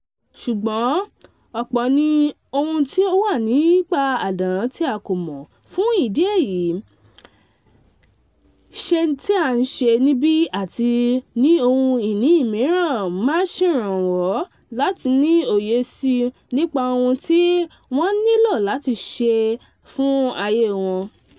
Ṣùgbọ́n ọ̀pọ̀ ni ohun tí ó wà nípa àdán tí a kíì mọ̀, fún ìdí èyí ṣẹ́ tí a ń ṣe níbí àti ní ohun ìní míràn máa ṣèraánwọ́ láti ní òye síi nípa ohun t;i wọ́n nílò l’’ati ṣe ayé wọn."